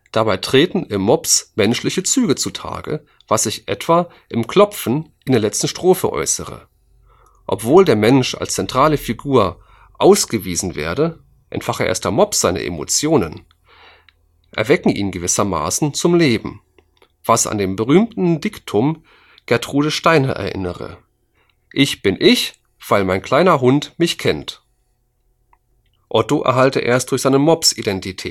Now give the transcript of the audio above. Dabei treten im Mops menschliche Züge zutage, was sich etwa im Klopfen in der letzten Strophe äußere. Obwohl der Mensch als zentrale Figur ausgewiesen werde, entfache erst der Mops seine Emotionen, erwecke ihn gewissermaßen zum Leben, was an das berühmte Diktum Gertrude Steins erinnere: „ Ich bin ich, weil mein kleiner Hund mich kennt. “Otto erhalte erst durch seinen Mops Identität